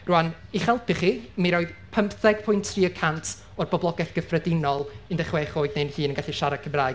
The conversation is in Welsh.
Rŵan, i'ch helpu chi, mi roedd pymtheg pwynt tri y cant o'r boblogaeth gyffredinol un deg chwech oed neu'n hŷn yn gallu siarad Cymraeg.